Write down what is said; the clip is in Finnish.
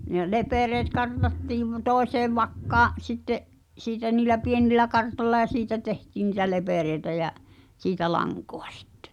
ne lepereet kartattiin toiseen vakkaan sitten siitä niillä pienillä kartoilla ja siitä tehtiin niitä lepereitä ja siitä lankaa sitten